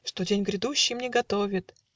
Что день грядущий мне готовит?